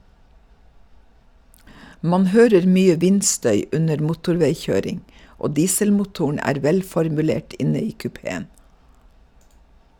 Man hører mye vindstøy under motorveikjøring, og dieselmotoren er velformulert inne i kupeen.